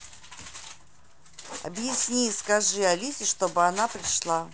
объясни скажи алисе чтобы она пришла